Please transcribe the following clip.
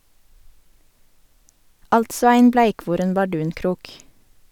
Altså ein bleikvoren bardunkrok.